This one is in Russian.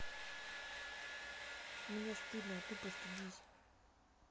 мне стыдно а ты постыдись